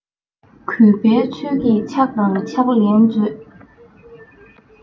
གུས པའི ཚུལ གྱིས ཕྱག དང ཕྱག ལན མཛོད